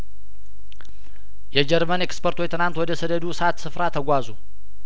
የጀርመን ኤክስፐርቶች ትናንት ወደ ሰደዱ እሳት ስፍራ ተጓዙ